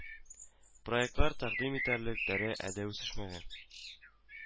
Проектлар тәкъдим итәрлек дәрә әдә үсешмәгән